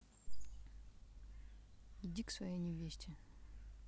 иди к своей невесте